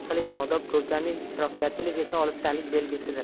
qiling odob ko'rkamlik isrofgarchilik esa oliftalik belgisidir